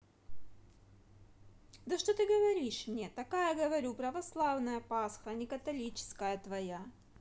да что ты говоришь мне такая говорю православная пасха а не католическая твоя